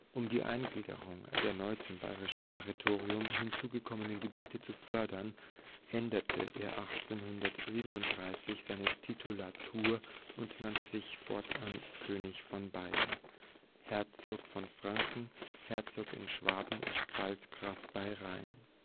Um die Eingliederung der neu zum bayerischen Territorium hinzugekommenen Gebiete zu fördern, änderte er 1837 seine Titulatur und nannte sich fortan „ König von Bayern, Herzog von Franken, Herzog in Schwaben und Pfalzgraf bei Rhein